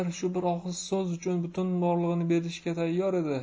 shu bir og'iz so'z uchun butun borlig'ini berishga tayyor edi